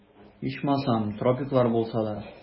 Ичмасам, тропиклар булса да...